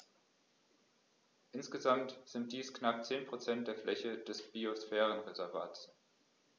Insgesamt sind dies knapp 10 % der Fläche des Biosphärenreservates.